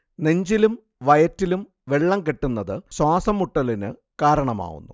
നെഞ്ചിലും വയറ്റിലും വെള്ളം കെട്ടുന്നത് ശ്വാസം മുട്ടലിനു കാരണമാവുന്നു